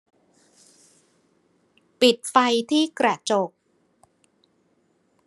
ปิดไฟที่กระจก